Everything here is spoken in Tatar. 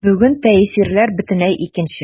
Бүген тәэсирләр бөтенләй икенче.